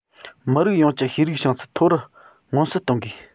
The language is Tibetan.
མི རིགས ཡོངས ཀྱི ཤེས རིག བྱང ཚད མཐོ རུ མངོན གསལ གཏོང དགོས